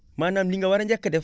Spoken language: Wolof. maanaam li nga war a njëkk a def